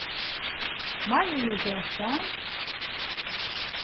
mariugøta